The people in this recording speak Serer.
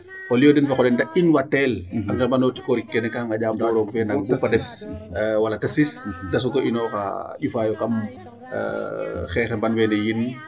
Au lieu den fa qoox den de inwateel a nqembanooyo tikoorik keene kaa nqaƴaa bo roog fe naang dis wala ta sis da soog a inooxa a njufaa yo kam xemban weene yiin .